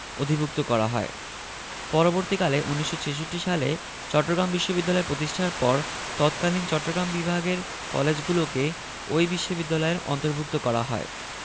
অধিভুক্ত করা হয় পরবর্তীকালে ১৯৬৬ সালে চট্টগ্রাম বিশ্ববিদ্যালয় প্রতিষ্ঠার পর তৎকালীন চট্টগ্রাম বিভাগের কলেজগুলোকে ওই বিশ্ববিদ্যালয়ের অন্তর্ভুক্ত করা হয়